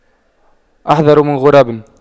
أحذر من غراب